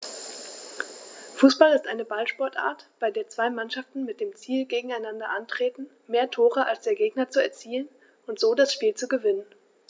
Fußball ist eine Ballsportart, bei der zwei Mannschaften mit dem Ziel gegeneinander antreten, mehr Tore als der Gegner zu erzielen und so das Spiel zu gewinnen.